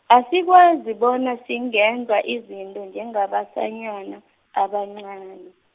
asikwazi bona singenza izinto njengabesanyana, abancani.